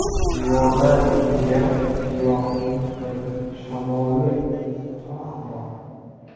devorda ungan giyohning bir shamollik hoh bor